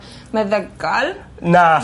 meddygol? Na...